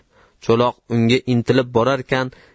turna unga intilib borarkan